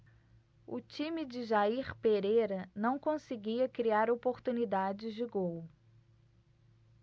o time de jair pereira não conseguia criar oportunidades de gol